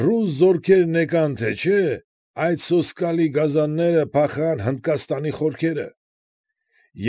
Ռուս զորքերն եկան թե չէ, այդ սոսկալի գազանները փախան Հնդկաստանի խորքերը։